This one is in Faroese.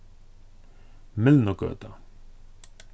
mylnugøta